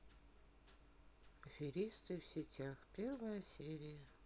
аферисты в сетях первая серия